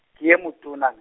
ke ye motona.